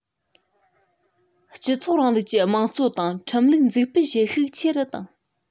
སྤྱི ཚོགས རིང ལུགས ཀྱི དམངས གཙོ དང ཁྲིམས ལུགས འཛུགས སྤེལ བྱེད ཤུགས ཆེ རུ བཏང